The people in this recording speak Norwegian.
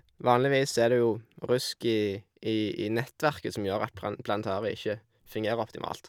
Vanligvis så er det jo rusk i i i nettverket som gjør at pran planetariet ikke fungerer optimalt.